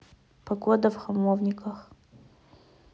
погода в хамовниках